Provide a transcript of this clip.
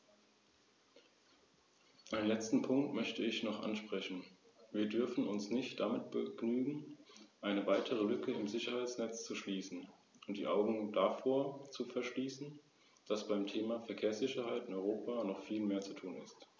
Deshalb schlagen meine Fraktion und ich drei wichtige Änderungen und Zusätze vor, mit denen wir den Vorschlag in keiner Weise verwässern, sondern mit denen wir seine Relevanz für diejenigen, denen er als Anleitung dienen soll, erhöhen wollen.